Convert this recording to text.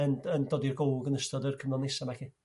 yn yn dod i'r golwg yn ystod yr cyfnod nesa' 'ma 'lly.